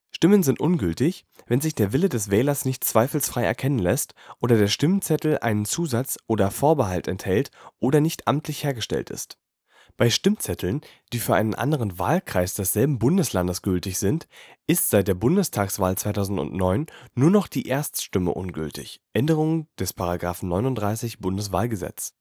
Stimmen sind ungültig, wenn sich der Wille des Wählers nicht zweifelsfrei erkennen lässt oder der Stimmzettel einen Zusatz oder Vorbehalt enthält oder nicht amtlich hergestellt ist. Bei Stimmzetteln, die für einen anderen Wahlkreis desselben Bundeslands gültig sind, ist seit der Bundestagswahl 2009 nur noch die Erststimme ungültig (Änderung des § 39 BWahlG). Da das